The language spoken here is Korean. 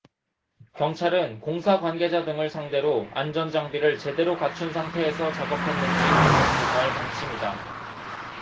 경찰은 공사 관계자 등을 상대로 안전장비를 제대로 갖춘 상태에서 작업했는지 등을 조사할 방침이다